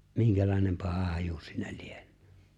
minkälainen paha haju siinä lienee